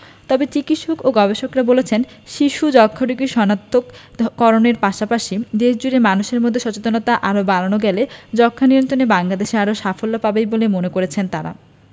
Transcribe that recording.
তবে চিকিৎসক ও গবেষকরা বলছেন শিশু যক্ষ্ণারোগী শনাক্ত করণের পাশাপাশি দেশজুড়ে মানুষের মধ্যে সচেতনতা আরও বাড়ানো গেলে যক্ষ্মানিয়ন্ত্রণে বাংলাদেশ আরও সাফল্য পাবেই বলে মনে করছেন তারা